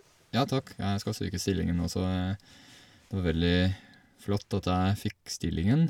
Ja takk, jeg skal søke stillingen, og så det var veldig flott at jeg fikk stillingen.